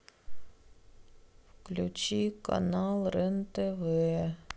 включи канал рен тв